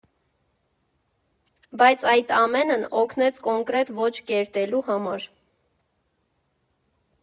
Բայց այդ ամենն օգնեց կոնկրետ ոճ կերտելու համար։